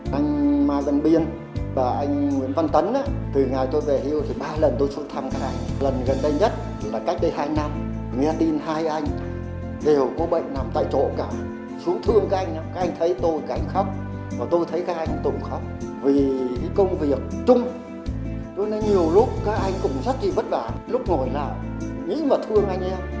anh ma dăm biên và anh nguyễn văn tấn á từ ngày tôi về hưu thì ba lần tôi xuống thăm các anh lần gần đây nhất là cách đây hai năm nghe tin hai anh đều có bệnh nằm tại chỗ cả anh xuống thương các anh á các anh thấy tôi cái khóc mà tôi thấy các anh tôi cũng khóc vì công việc chung với nhiều lúc các anh cũng rất vất vả lúc ngồi lại nghĩ mà thương